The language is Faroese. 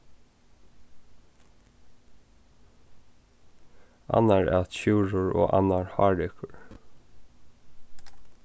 annar æt sjúrður og annar hárekur